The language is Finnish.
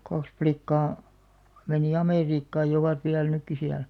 kaksi likkaa meni Amerikkaan ja ovat vielä nytkin siellä